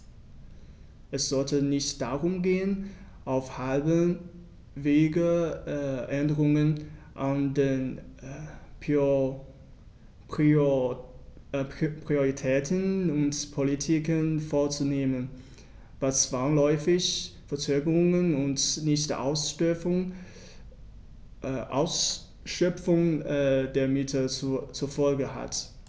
Es sollte nicht darum gehen, auf halbem Wege Änderungen an den Prioritäten und Politiken vorzunehmen, was zwangsläufig Verzögerungen und Nichtausschöpfung der Mittel zur Folge hat.